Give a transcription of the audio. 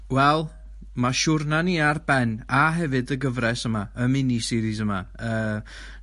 Wel, ma' siwrna ni ar ben, a hefyd y gyfres yma, y mini series yma yy